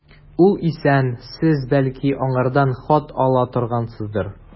Ул исән, сез, бәлки, аңардан хат ала торгансыздыр.